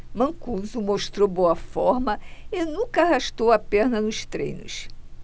mancuso mostrou boa forma e nunca arrastou a perna nos treinos